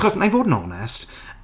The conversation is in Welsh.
achos, na i fod yn onest...